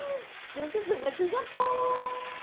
bốn trăm rưởi lần thứ nhất